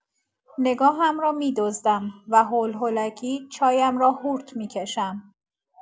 نگاهم را می‌دزدم و هول‌هولکی چایم را هورت می‌کشم.